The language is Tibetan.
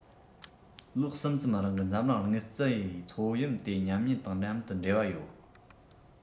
ལོ གསུམ ཙམ རིང གི འཛམ གླིང དངུལ རྩའི མཚོ ཡོམ དེ ཉམས ཉེན དང མཉམ དུ འབྲེལ བ ཡོད